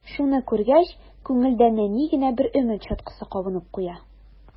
Шуны күргәч, күңелдә нәни генә бер өмет чаткысы кабынып куя.